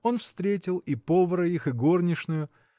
Он встретил и повара их, и горничную.